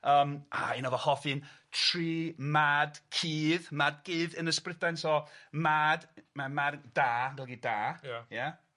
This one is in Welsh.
Yym a un o fo hoff un tri mad cudd mad gudd Ynys Brydain so mad ma' mad da yn golygu da. Ia. Ia.